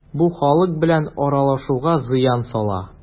Бу халык белән аралашуга зыян сала.